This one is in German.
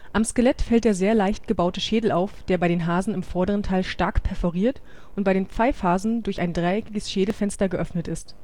Am Skelett fällt der sehr leicht gebaute Schädel auf, der bei den Hasen im vorderen Teil stark perforiert und bei den Pfeifhasen durch ein dreieckiges Schädelfenster geöffnet ist